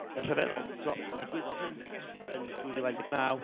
yn rhyfeddol, tibod, ddigwyddodd hyn yn dwy fil ac un deg naw,